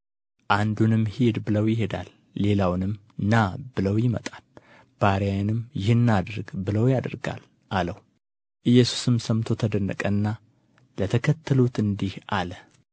አንዱንም ሂድ ብለው ይሄዳል ሌላውንም ና ብለው ይመጣል ባሪያዬንም ይህን አድርግ ብለው ያደርጋል አለው ኢየሱስም ሰምቶ ተደነቀና ለተከተሉት እንዲህ አለ